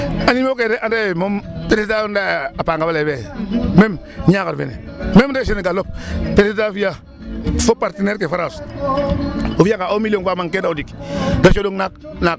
Animaux ke de anda yee moom président yo ndaa a panga fa lay fe méme Niakhar fene meme ndeer Senegal fop président fi'a fo partenaire :far ke France o fi'anga un million fa manquer na o ndik da cooxong naak.